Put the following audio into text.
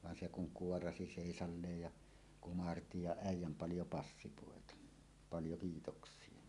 vaan se kun kuoraisi seisalleen ja kumarsi ja äijän paljon passipoita paljon kiitoksia